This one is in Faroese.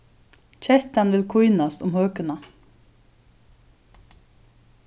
kettan vil kínast um høkuna